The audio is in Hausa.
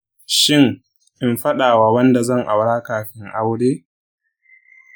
shin in faɗa wa wanda zan aura kafin aure?